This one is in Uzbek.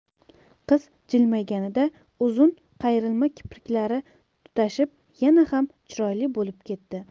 qiz jilmayganida uzun qayrilma kipriklari tutashib yana ham chiroyli bo'lib ketdi